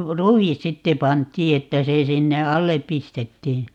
ruis sitten pantiin että se sinne alle pistettiin